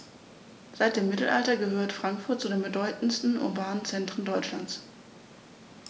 Seit dem Mittelalter gehört Frankfurt zu den bedeutenden urbanen Zentren Deutschlands.